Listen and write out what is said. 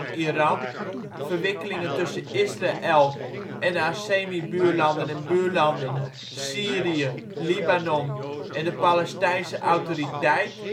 Iran, verwikkelingen tussen Israël en haar (semi -) buurlanden Syrië, Libanon en de Palestijnse Autoriteit